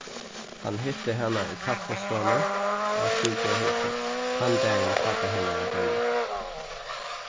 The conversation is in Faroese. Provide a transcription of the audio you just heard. hann hitti hana í kaffistovuni á sjúkrahúsinum tann dagin pápi hennara doyði